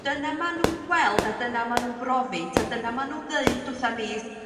dyna ma' nw'n weld a dyna ma'n nw'n brofi 'ta dyna ma' nw'n ddeud wrtha ni?